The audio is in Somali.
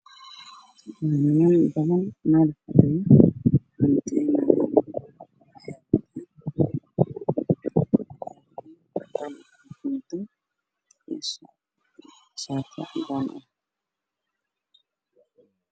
Waa maqaayad waxaa yaalo kuraas iyo miisaas dad ayaa cunto cunaayo